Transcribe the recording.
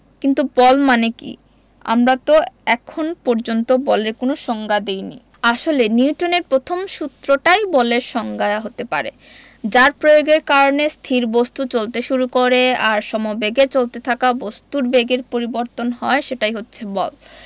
কিন্তু বল মানে কী আমরা তো এখন পর্যন্ত বলের কোনো সংজ্ঞা দিইনি আসলে নিউটনের প্রথম সূত্রটাই বলের সংজ্ঞা হতে পারে যার প্রয়োগের কারণে স্থির বস্তু চলতে শুরু করে আর সমবেগে চলতে থাকা বস্তুর বেগের পরিবর্তন হয় সেটাই হচ্ছে বল